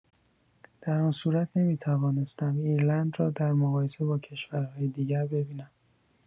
در آن صورت نمی‌توانستم ایرلند را در مقایسه با کشورهای دیگر ببینم.